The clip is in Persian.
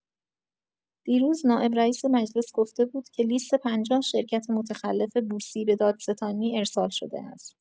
دیروز نایب‌رئیس مجلس گفته بود، که لیست ۵۰ شرکت متخلف بورسی به دادستانی ارسال‌شده است.